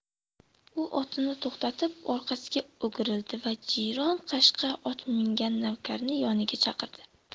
u otini to'xtatib orqasiga o'girildi va jiyron qashqa ot mingan navkarni yoniga chaqirdi